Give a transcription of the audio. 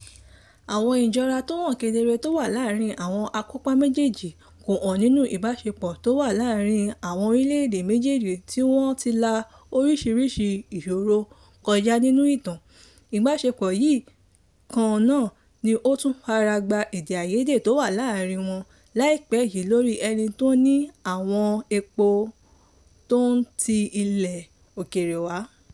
Àwon ìjọra tó hàn kedere tó wà láàárín àwọn akópa méjèèjì kò hàn nínú ìbáṣepọ̀ tó wà láàárín àwọn orílẹ̀ èdè méjèèjì tí wọn ti la oríṣiríṣi ìṣòro kọjá nínú ìtàn, ìbáṣepọ̀ yìí kan náà ni ó tún fara gbá èdè àìyédè tó wáyé láàárín wọn láìpẹ́ yìí lórí ẹni tó ni àwọn epo tó ń ti ilẹ̀ òkèèrè wá.